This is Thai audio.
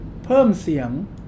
เพิ่มเสียง